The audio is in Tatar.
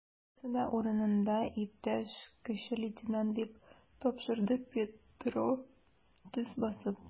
Барысы да урынында, иптәш кече лейтенант, - дип тапшырды Петро, төз басып.